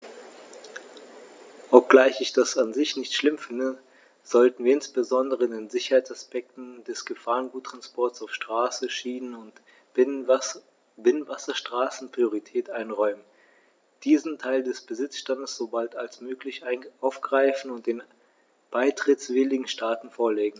Obgleich ich das an sich nicht schlimm finde, sollten wir insbesondere den Sicherheitsaspekten des Gefahrguttransports auf Straße, Schiene und Binnenwasserstraßen Priorität einräumen, diesen Teil des Besitzstands so bald als möglich aufgreifen und den beitrittswilligen Staaten vorlegen.